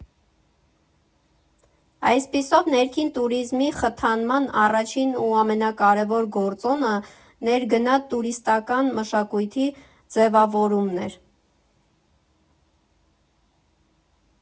Այսպիսով ներքին տուրիզմի խթանման առաջին ու ամենակարևոր գործոնը ներգնա տուրիստական մշակույթի ձևավորումն էր։